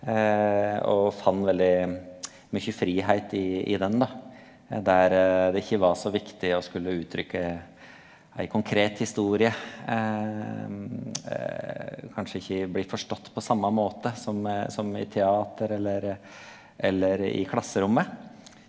og fann veldig mykje fridom i i den da der det ikkje var så viktig å skulle uttrykke ei konkret historie kanskje ikkje bli forstått på same måte som i som i teater eller eller i klasserommet.